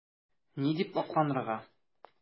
Ни дип акланырга?